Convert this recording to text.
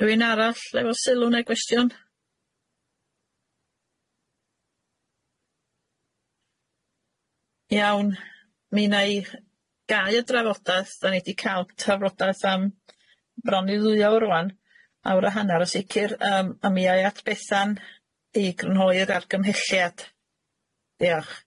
R'wun arall efo sylw neu gwestiwn? Iawn mi na i gau y drafodaeth, da ni di cal trafodaeth am bron i ddwyawr rwa, awr a hannar yn sicir, a mi a i at Bethan i grynhoi'r argymhelliad. Diolch.